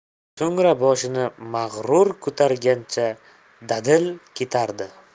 so'ngra boshini mag'rur ko'targancha dadil ketardi